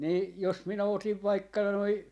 niin jos minä otin vaikka noin